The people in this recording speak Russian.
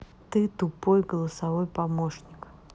ты тупой голосовой помощник